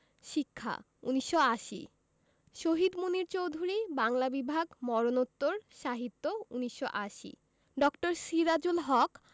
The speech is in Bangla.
শিক্ষা ১৯৮০ শহীদ মুনীর চৌধুরী বাংলা বিভাগ মরণোত্তর সাহিত্য ১৯৮০ ড. সিরাজুল হক